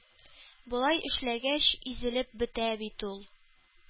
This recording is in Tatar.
Болай эшләгәч, изелеп бетә бит ул.